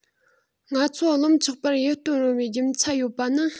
ང ཚོ རློམ ཆོག པར ཡིད རྟོན རུང བའི རྒྱུ མཚན ཡོད པ ནི